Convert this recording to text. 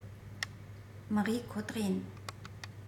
མི གཡུགས ཁོ ཐག ཡིན